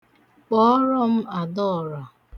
Kpọọrọ m Adaọra.